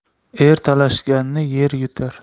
er talashganni yer yutar